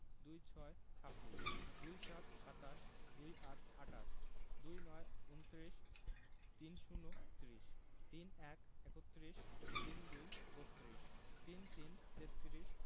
২৬ – ছাব্বিশ ২৭ – সাতাশ ২৮ - আটাশ ২৯ -ঊনত্রিশ ৩০ - ত্রিশ ৩১ - একত্রিশ ৩২ - বত্ৰিশ ৩৩ - তেত্রিশ